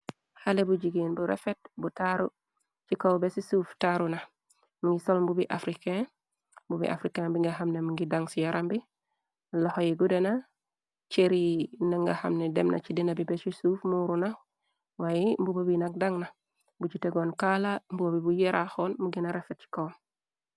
xale bu jigeen bu refet bu taru ci kaw besi suuf taaru na mingi sol mbubi africain mbubi africain bi nga xamna mngi daŋs ci yaram bi loxoy gudena cëryi na nga xamne demna ci dina bi besu suuf muuru na waaye mbubabi nak dang na bu jitegoon kaala mboobi bu yeeraxoon mu gina refet ci kow.